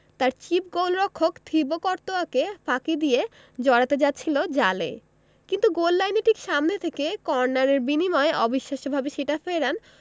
তাঁর চিপ গোলরক্ষক থিবো কর্তোয়াকে ফাঁকি দিয়ে জড়াতে যাচ্ছিল জালে কিন্তু গোললাইনের ঠিক সামনে থেকে কর্নারের বিনিময়ে অবিশ্বাস্যভাবে সেটা ফেরান